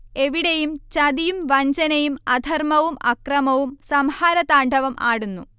എവിടെയും ചതിയും വഞ്ചനയും, അധർമ്മവും അക്രമവും സംഹാരതാണ്ഡവം ആടുന്നു